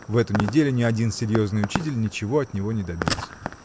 В эту неделю ни один серьезный учитель ничего от него не добился.